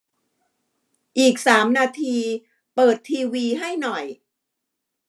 อีกสามนาทีเปิดทีวีให้หน่อย